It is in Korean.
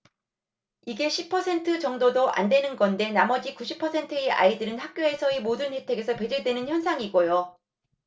이게 십 퍼센트 정도도 안 되는 건데 나머지 구십 퍼센트의 아이들은 학교에서의 모든 혜택에서 배제되는 현상이고요